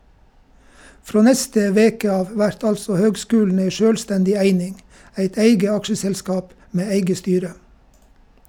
Frå neste veke av vert altså høgskulen ei sjølvstendig eining, eit eige aksjeselskap med eige styre.